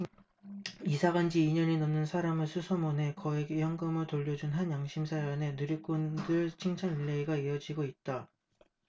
이사 간지 이 년이 넘는 사람을 수소문해 거액의 현금을 돌려준 한 양심 사연에 누리꾼들 칭찬릴레이가 이어지고 있다